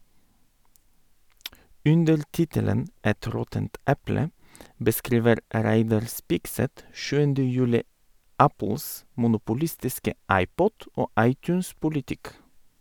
Under tittelen «Et råttent eple» beskriver Reidar Spigseth 7. juli Apples monopolistiske iPod- og iTunes-politikk.